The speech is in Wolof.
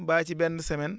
mbaa ci benn semaine